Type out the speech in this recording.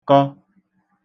kọ